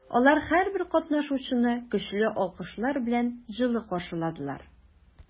Алар һәрбер катнашучыны көчле алкышлар белән җылы каршыладылар.